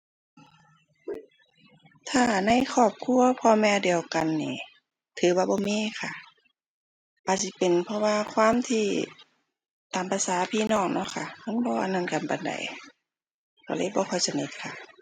ถ้าในครอบครัวพ่อแม่เดียวกันนี่ ถือว่าบ่มีค่ะ อาจสิเป็นเพราะว่าความที่ตามประสาพี่น้องเนาะค่ะ มันบ่อันนั้นกันปานใด ก็เลยบ่ค่อยสนิทค่ะ